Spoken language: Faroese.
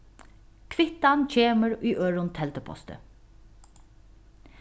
kvittan kemur í øðrum telduposti